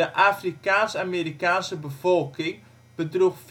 Afrikaans-Amerikaanse bevolking bedroeg